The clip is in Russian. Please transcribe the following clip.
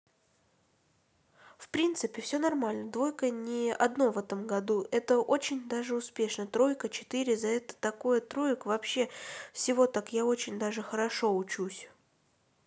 в принципе все нормально двойка не одно в этом году это очень даже успешно тройка четыре за это такое троек вообще всего так я очень даже хорошо учусь